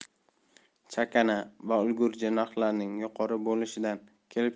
chakana va ulgurji narxlarning yuqori bo'lishidan kelib